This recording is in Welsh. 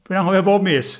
dwi'n anghofio bob mis!